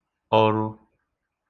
ọrụ